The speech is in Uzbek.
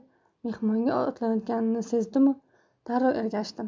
mehmonga otlanayotganini sezdimu darrov ergashdim